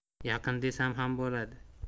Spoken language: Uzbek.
yaqin desam ham bo'ladi